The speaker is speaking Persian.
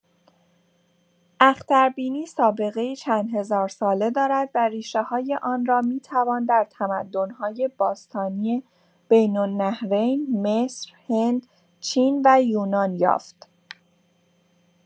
اختربینی سابقه‌ای چند هزار ساله دارد و ریشه‌های آن را می‌توان در تمدن‌های باستانی بین‌النهرین، مصر، هند، چین و یونان یافت.